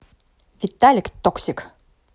vitalik токсик